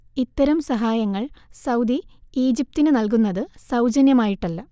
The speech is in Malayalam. ഇത്തരം സഹായങ്ങൾ സൗദി ഈജിപ്തിന് നൽകുന്നത് സൗജന്യമായിട്ടല്ല